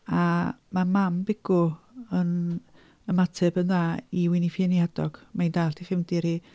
A ma' mam Begw yn ymateb yn dda i Wini Ffini Hadog. Mae'n dallt ei chefndir hi.